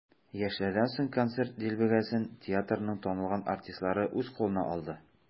Яшьләрдән соң концерт дилбегәсен театрның танылган артистлары үз кулына алды.